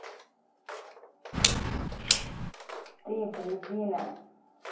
ты блядина